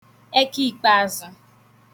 ẹkikpeazụ